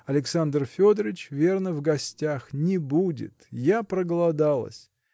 Александр Федорыч, верно, в гостях, не будет я проголодалась.